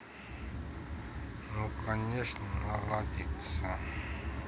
ну конечно наладиться